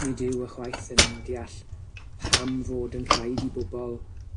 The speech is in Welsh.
Nid yw ychwaith yn deall pam fod yn rhaid i bobol